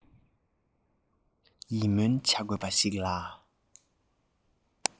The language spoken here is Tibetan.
ཡིད སྨོན བྱ དགོས པ ཞིག ལ